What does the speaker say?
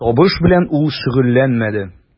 Табыш белән ул шөгыльләнмәде.